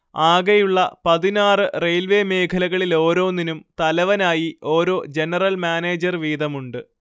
ആകെയുള്ള പതിനാറ് റെയിൽവേ മേഖലകളിലോരോന്നിനും തലവനായി ഓരോ ജനറൽ മാനേജർ വീതമുണ്ട്